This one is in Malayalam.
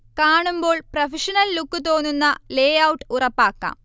കാണുമ്പോൾ പ്രഫഷനൽ ലുക്ക് തോന്നുന്ന ലേഔട്ട് ഉറപ്പാക്കാം